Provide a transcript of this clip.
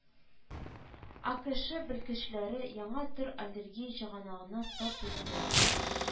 АКэШэ белгечләре яңа төр аллергия чыганагына тап булдылар